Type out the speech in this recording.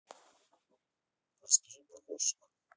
расскажи про кошек